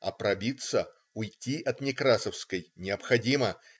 А пробиться, уйти от Некрасовской - необходимо.